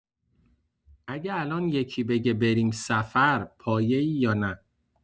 اگه الان یکی بگه بریم سفر، پایه‌ای یا نه؟